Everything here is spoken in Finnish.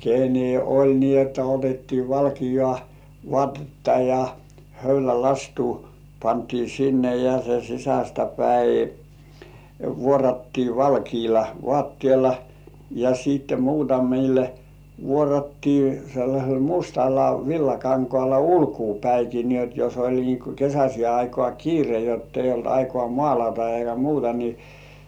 kenen oli niin jotta otettiin valkeaa vaatetta ja höylälastua pantiin sinne ja se sisästä päin vuorattiin valkealla vaatteella ja sitten muutamille vuorattiin sellaisella mustalla villakankaalla ulkoapäinkin niin jotta jos oli niin kuin kesäiseen aikaan kiire jotta ei ollut aikaa maalata eikä muuta niin